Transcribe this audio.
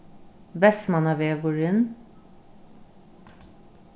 vestmannavegurin